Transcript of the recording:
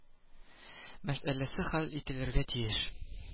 Мәсьәләсе хәл ителергә тиеш